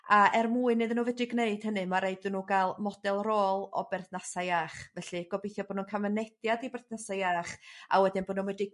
A er mwyn iddyn nhw fedru gneud hynny ma' raid i nw ga'l model rôl o berthnasau iach felly gobeithio bo' nw'n ca'l mynediad i berthnasa' iach a wedyn bo' nw medru